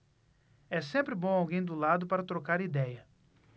é sempre bom alguém do lado para trocar idéia